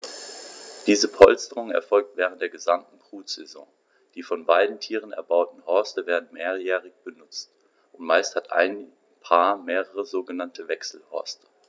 Diese Polsterung erfolgt während der gesamten Brutsaison. Die von beiden Tieren erbauten Horste werden mehrjährig benutzt, und meist hat ein Paar mehrere sogenannte Wechselhorste.